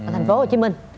ở thành phố hồ chí minh